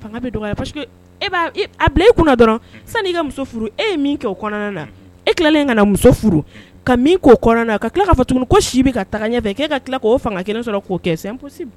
Ba dɔrɔn ka muso furu e ye o e ka muso furu ka k'o ka fɔ tuguni ko si bɛ ɲɛ ka k' fanga kelen sɔrɔ k'o kɛ